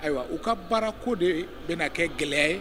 Ayiwa u ka baara ko de bɛn kɛ gɛlɛya ye